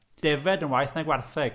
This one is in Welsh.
Defaid yn waeth na gwartheg.